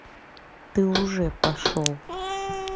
ты уже пошел